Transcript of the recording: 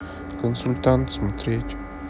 консультант смотреть